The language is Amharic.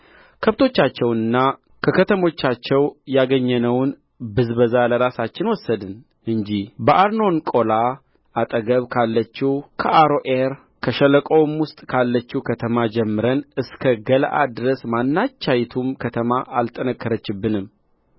ከብቶቻቸውንና ከከተሞቻቸው ያገኘነውን ብዝበዛ ለራሳችን ወሰድን እንጂበአርኖን ቈላ አጠገብ ካለችው ከአሮዔር ከሸለቆውም ውስጥ ካለችው ከተማ ጀምረን እስከ ገለዓድ ድረስ ማናቸይቱም ከተማ አልጠነከረችብንም